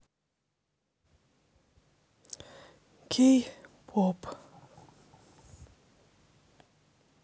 кей поп